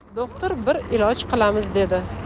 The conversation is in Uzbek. do'xtir bir iloj qilamiz dedi